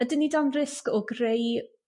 ydyn ni dan risg o greu